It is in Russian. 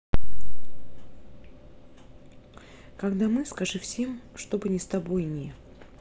когда мы скажи всем чтобы не с тобой не